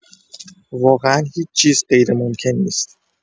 واقعا هیچ‌چیز غیرممکن نیست!